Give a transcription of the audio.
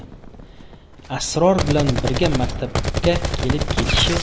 sror bilan birga maktabga kelib ketishi